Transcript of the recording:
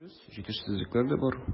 Дөрес, җитешсезлекләр дә бар.